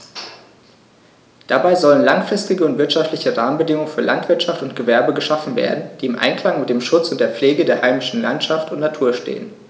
Dabei sollen langfristige und wirtschaftliche Rahmenbedingungen für Landwirtschaft und Gewerbe geschaffen werden, die im Einklang mit dem Schutz und der Pflege der heimischen Landschaft und Natur stehen.